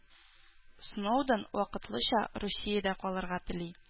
Сноуден вакытлыча Русиядә калырга тели